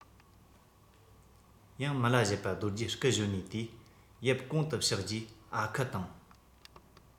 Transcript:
ཡང མི ལ བཞད པ རྡོ རྗེ སྐུ གཞོན ནུའི དུས ཡབ གུང དུ གཤེགས རྗེས ཨ ཁུ དང